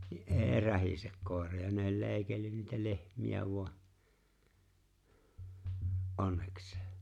niin ei rähise koira ja ne oli leikellyt niitä lehmiä vain onneksi